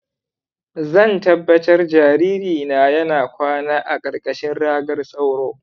zan tabbatar jaririna yana kwana a ƙarƙashin ragar sauro.